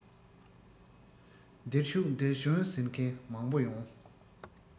འདིར བཞུགས འདིར བྱོན ཟེར མཁན མང པོ ཡོང